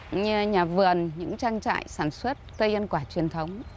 như nhà vườn những trang trại sản xuất cây ăn quả truyền thống